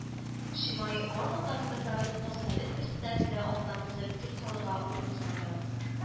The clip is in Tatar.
Шимай, барлык документларын поссовет председателе алдына тезеп, йорт салырга урын сорады